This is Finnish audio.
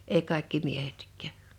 ei kaikki miehetkään